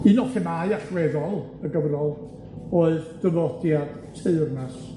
Un o themâu allweddol y gyfrol oedd dyfodiad teyrnas